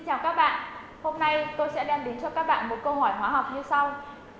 chào các bạn hôm nay tôi sẽ đem đến cho các bạn một câu hỏi hóa học như sau